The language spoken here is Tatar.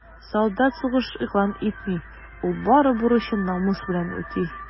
Солдат сугыш игълан итми, ул бары бурычын намус белән үти.